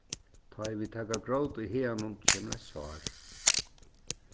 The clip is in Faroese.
tá ið vit taka grót í haganum kemur eitt sár